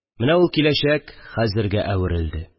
Менә ул «киләчәк» «хәзер»гә әверелде